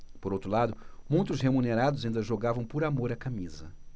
por outro lado muitos remunerados ainda jogavam por amor à camisa